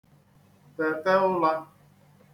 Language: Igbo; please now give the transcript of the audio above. tète ụlā